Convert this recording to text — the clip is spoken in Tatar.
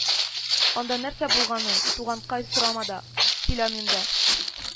Анда нәрсә булганын, туганкай, сорама да, сөйләмим дә